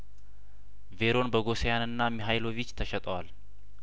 ቬሮን ቦጐሲያንና ሚሀይሎቪች ተሸጠዋል